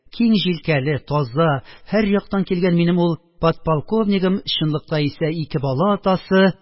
Киң җилкәле, таза, һәрьяктан килгән минем ул подполковнигым чынлыкта исә ике бала атасы